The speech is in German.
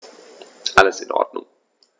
Alles in Ordnung.